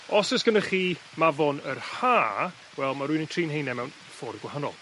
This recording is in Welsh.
Os o's gynnoch chi mafon yr Ha wel ma' rywun yn tri'n heine mewn ffor gwahanol.